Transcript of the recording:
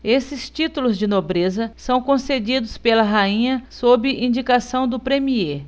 esses títulos de nobreza são concedidos pela rainha sob indicação do premiê